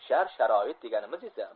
shart sharoit deganimiz esa